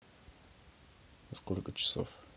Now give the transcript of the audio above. а сколько часов